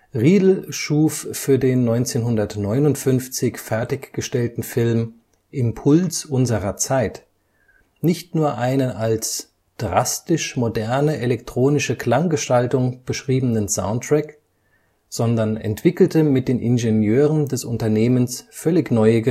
Riedl schuf für den 1959 fertiggestellten Film Impuls unserer Zeit nicht nur einen als „ drastisch moderne elektronische Klanggestaltung “beschriebenen Soundtrack sondern entwickelte mit den Ingenieuren des Unternehmens völlig neue